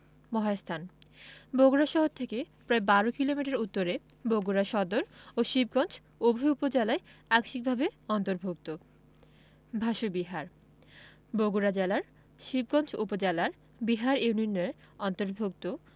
মহাস্থান বগুড়া শহর থেকে প্রায় ১২ কিলোমিটার উত্তরে বগুড়া সদর ও শিবগঞ্জ উভয় উপজেলায় আংশিকভাবে অন্তর্ভুক্ত ভাসু বিহার বগুড়া জেলার শিবগঞ্জ উপজেলার বিহার ইউনিয়নের অন্তর্ভুক্ত